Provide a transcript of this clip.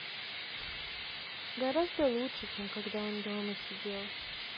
гораздо лучше чем когда он дома сидел